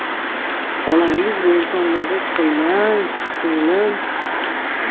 bolangiz bo'lsa unaqa qilmang singlim